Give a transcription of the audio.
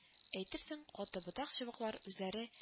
Әйтерсең каты ботак-чыбыклар үзләре